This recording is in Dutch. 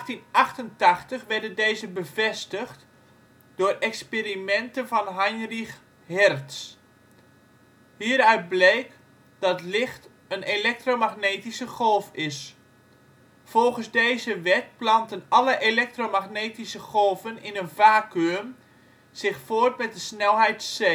1888 werden deze bevestigd door experimenten van Heinrich Hertz. Hieruit bleek dat licht een elektromagnetische golf is. Volgens deze wet planten alle elektromagnetische golven in een vacuüm zich voort met de snelheid c.